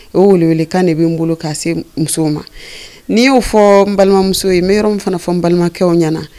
U weeleelekan de bɛ' n bolo k'a se musow ma n'i y'o fɔ n balimamuso ye yɔrɔ min fana fɔ n balimakɛw ɲɛnaana